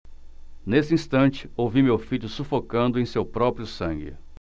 nesse instante ouvi meu filho sufocando em seu próprio sangue